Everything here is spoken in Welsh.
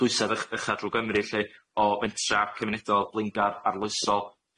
dwysedd uch- ucha drw Gymru 'lly o fentra cymunedol blaengar arloesol